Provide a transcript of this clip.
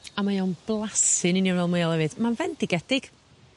A mae o'n blasu'n union fel mêl efyd ma'n fendigedig.